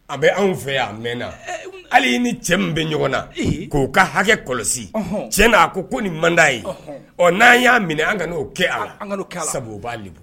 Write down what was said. An bɛ anw fɛ yan a mɛnna . Hali i ni cɛ min bɛ ɲɔgɔn na, ko ka hakɛ kɔlɔsi, cɛn na a ko ko ni man da ye . Ɔn nqn ya minɛ an ka no kɛ a la .sabu o ba malo.